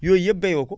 yooyu yëpp bayoo ko